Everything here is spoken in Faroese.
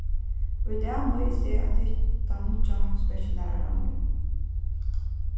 í dag noyðist eg at hitta nýggja heimspekilærara mín